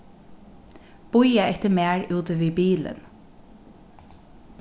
bíða eftir mær úti við bilin